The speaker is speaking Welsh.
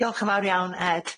Diolch yn fawr iawn Ed.